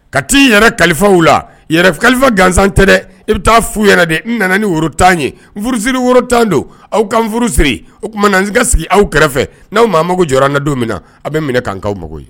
Ka t'i yɛrɛ kalifaw la, yɛrɛ kalifa gansan tɛ dɛ. I bɛ taa fu ɲɛna, de n nana ni woro 10 ye,n furusiri woro 10 don aw ka furusiri, o tuma na n ka sigi aw kɛrɛfɛ n'aw maa mako jɔra n na don min na a bɛ minɛ ka n k'aw mako ye.